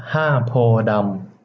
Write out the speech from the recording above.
ห้าโพธิ์ดำ